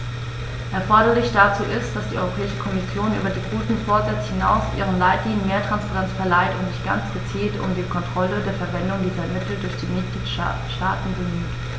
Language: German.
Erforderlich dazu ist, dass die Europäische Kommission über die guten Vorsätze hinaus ihren Leitlinien mehr Transparenz verleiht und sich ganz gezielt um die Kontrolle der Verwendung dieser Mittel durch die Mitgliedstaaten bemüht.